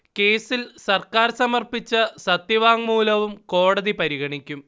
കേസിൽ സർക്കാർ സമർപ്പിച്ച സത്യവാങ്മൂലവും കോടതി പരിഗണിക്കും